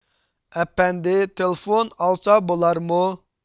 ئەپەندى تېلېفون ئالسا بولارمۇ